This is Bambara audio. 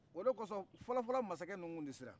o de kosɔn fɔlɔ fɔlɔ masakɛ ninnu tun tɛ siran